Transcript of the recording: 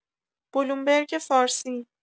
بلومبرگ فارسی